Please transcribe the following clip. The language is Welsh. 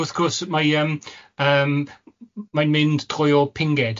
Wrth gwrs mae yym yym mae'n mynd trwy o pinged.